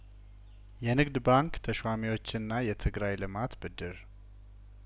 የንግድ ባንክ ተሿሚዎችና የትግራይ ልማት ብድር